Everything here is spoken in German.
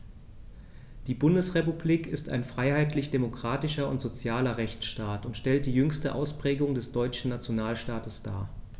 Die Bundesrepublik ist ein freiheitlich-demokratischer und sozialer Rechtsstaat und stellt die jüngste Ausprägung des deutschen Nationalstaates dar.